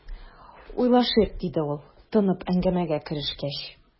"уйлашыйк", - диде ул, тынып, әңгәмәгә керешкәч.